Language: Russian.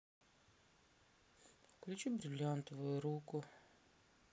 включи бриллиантовую руку